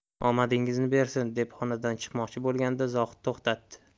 omadingizni bersin deb xonadan chiqmoqchi bo'lganida zohid to'xtatdi